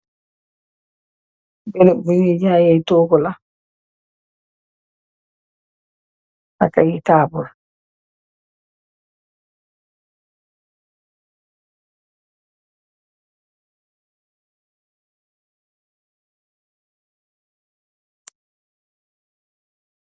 Beureub bu njui jaaayeh tohgu la ak aiiy taabul.